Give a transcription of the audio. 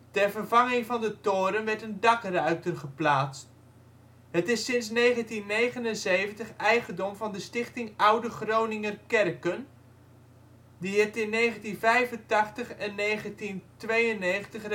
Ter vervanging van de toren werd een dakruiter geplaatst. Het is sinds 1979 eigendom van de Stichting Oude Groninger Kerken, die het in 1985 en 1992 restaureerde